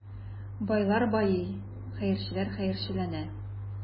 Байлар байый, хәерчеләр хәерчеләнә.